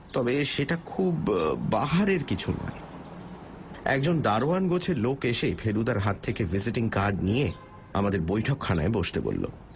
তবে সেটা খুব বাহারের কিছু নয় একজন দারোয়ান গোছের লোক এসে ফেলুদার কাছ থেকে ভিজিটিং কার্ড নিয়ে আমাদের বৈঠকখানায় বসতে বলল